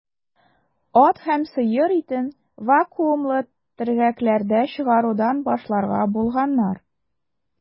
Ат һәм сыер итен вакуумлы төргәкләрдә чыгарудан башларга булганнар.